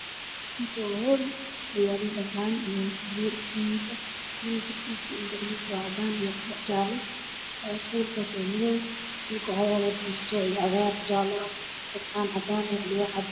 Meeshaan waa qol burbursan oo hada la dhisaayo